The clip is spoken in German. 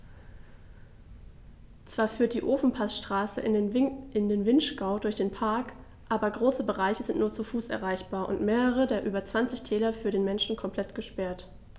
Zwar führt die Ofenpassstraße in den Vinschgau durch den Park, aber große Bereiche sind nur zu Fuß erreichbar und mehrere der über 20 Täler für den Menschen komplett gesperrt.